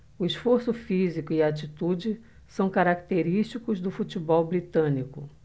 o esforço físico e a atitude são característicos do futebol britânico